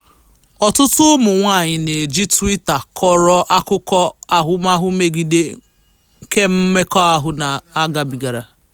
Ọtutụ ụmụ nwaanyị na-eji Twitter kọrọ akụkụ ahụmahụ mmegide kemmekọahu ha gabigara: